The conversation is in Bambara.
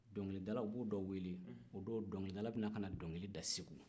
dɔnkilidala u b'o dɔ wele dɔnkilidala bɛ na ka dɔnkilida segou